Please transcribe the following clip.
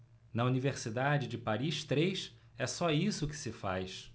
na universidade de paris três é só isso que se faz